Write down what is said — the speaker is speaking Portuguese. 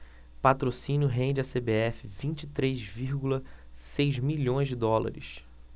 patrocínio rende à cbf vinte e três vírgula seis milhões de dólares